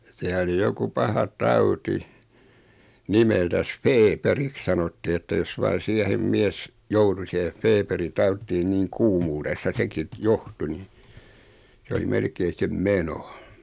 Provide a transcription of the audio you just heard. siellä oli joku paha tauti nimeltänsä feeperiksi sanottiin että jos vain siihen mies joutui siihen feeperi tautiin niin kuumuudessa sekin - johtui niin se oli melkein sen meno